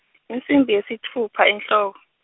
insimbi yesitfupha, enhloko.